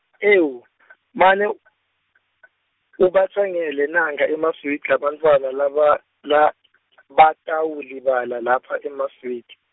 ewu , mane, ubatsengele nankha emaswidi bantfwana laba- la- batawulibala lapha emaswidi.